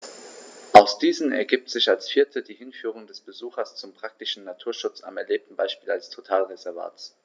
Aus diesen ergibt sich als viertes die Hinführung des Besuchers zum praktischen Naturschutz am erlebten Beispiel eines Totalreservats.